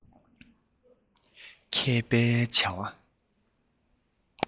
མཁས པའི བྱ བ